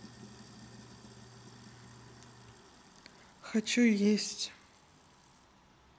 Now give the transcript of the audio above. хочу есть